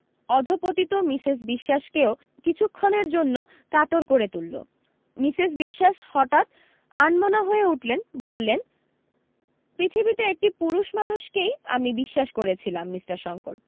অধপতিত Mrs বিশোয়াসকেও কিছুক্ষণের জন্য কাতর করে তুললো মিসেস বিশোয়াস হঠাত আনমনা হয়ে উঠলেন বললেন পৃথিবীতে একটি পুরুষ মানুষকেই আমি বিশ্বাস করেছিলাম মিষ্টার শংকর